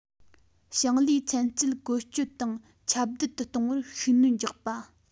ཞིང ལས ཚན རྩལ བཀོལ སྤྱོད དང ཁྱབ གདལ དུ གཏོང བར ཤུགས སྣོན རྒྱག པ